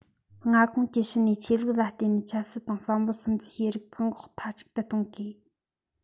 མངའ ཁོངས ཕྱི ནས ཆོས ལུགས ལ བརྟེན ནས ཆབ སྲིད དང བསམ བློར སིམ འཛུལ བྱེད རིགས བཀག འགོག མཐའ གཅིག ཏུ གཏོང དགོས